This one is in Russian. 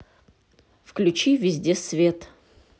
выключи везде свет